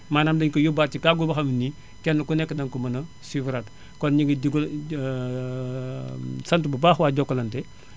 maanaan daénu koy yóbbuwaat ci kàggu boo xam ne nii kenn kun nekk danga ko mën a suivre aat kon énu ngi dugal sant bu baax waa Jokalante